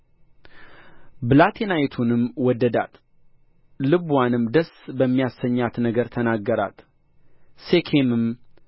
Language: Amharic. ብላቴናይቱንም ወደዳት ልብዋንም ደስ በሚያሰኛት ነገር ተናገራት ሴኬምም